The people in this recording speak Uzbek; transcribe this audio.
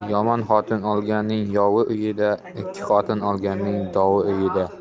yomon xotin olganning yovi uyida ikki xotin olganning dovi uyida